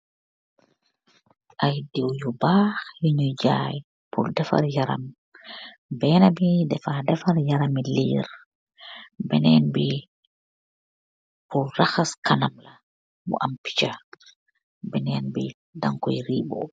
Iiiy diw yu bakh yu njui jaiiiy pur defarr yaram, bena bii dafa defarr yarami lirrr, benen bi pur rahass kanam la, bu am pitcha, benen bii dankoi riboh.